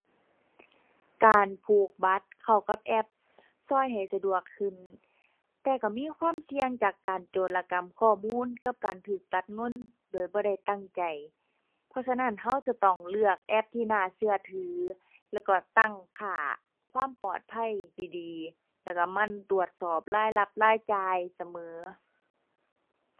การผูกบัตรเข้ากับแอปช่วยให้สะดวกขึ้น แต่ช่วยมีความเสี่ยงจากการโจรกรรมข้อมูลกับการช่วยตัดเงินโดยบ่ได้ตั้งใจ เพราะฉะนั้นช่วยจะต้องเลือกแอปที่น่าเชื่อถือแล้วก็ตั้งค่าความปลอดภัยดีดี แล้วช่วยหมั่นตรวจสอบรายรับ รายจ่ายเสมอ